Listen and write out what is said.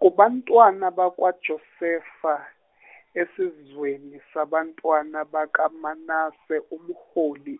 kubantwana bakwaJosefa, esizweni sabantwana bakwaManase umholi